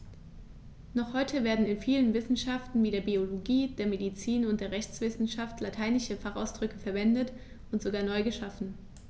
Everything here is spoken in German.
Noch heute werden in vielen Wissenschaften wie der Biologie, der Medizin und der Rechtswissenschaft lateinische Fachausdrücke verwendet und sogar neu geschaffen.